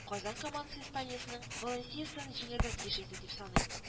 Казан командасы Испаниясының Валенсиясын җиңәргә тиеш иде, дип саный